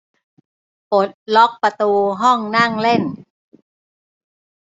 ปลดล็อกประตูห้องนั่งเล่น